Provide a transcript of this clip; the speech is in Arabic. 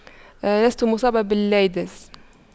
لست مصابة بالإيدز